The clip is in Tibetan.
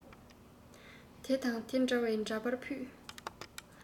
དེ དང དེ འདྲ བའི འདྲ པར ཕུད